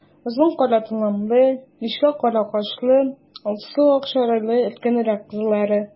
Озын кара толымлы, нечкә кара кашлы, алсу-ак чырайлы өлкәнрәк кызлары.